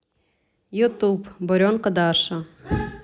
ютуб буренка даша